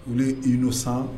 On est innocent